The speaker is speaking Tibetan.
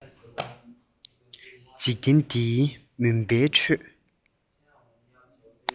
འཇིག རྟེན འདིའི མུན པའི ཁྲོད